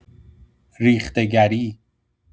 ریخته‌گری